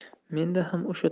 menda ham o'sha